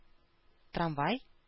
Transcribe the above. Трамвай